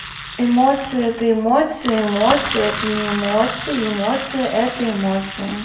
эмоции это эмоции эмоции это не эмоции и эмоции это эмоции